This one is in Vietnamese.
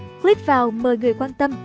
click vào mời người quan tâm